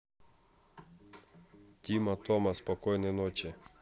тима тома спокойной ночи